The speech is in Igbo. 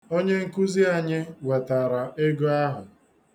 Onye nkuzi anyị wetara ego ahụ.